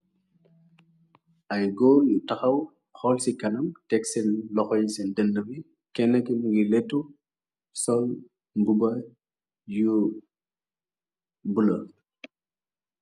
Ay goo nu taxaw, xool ci kanam, teg se loxoy se denn wi, kenn ki ngi létu sol mbuba yu bula.